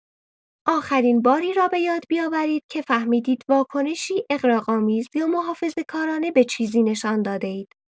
آخرین باری را بۀاد بیاورید که فهمیدید واکنشی اغراق‌آمیز یا محافظه‌کارانه به چیزی نشان داده‌اید